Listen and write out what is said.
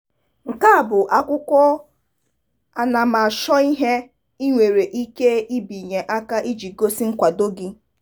Nke a bụ akwụkwọ anamachọihe ị nwere ike ịbinye aka iji gosi nkwado gị.